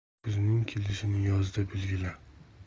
kuzning kelishini yozda belgila